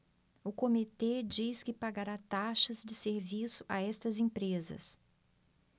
o comitê diz que pagará taxas de serviço a estas empresas